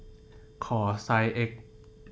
ขอไซส์เอ็กซ์